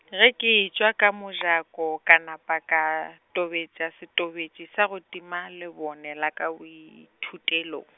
ge ke tšwa ka mojako ka napa ka, tobetša setobetši sa go tima le bone la ka boithutelong.